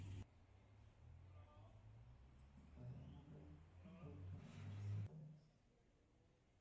bmw выиграла мерседес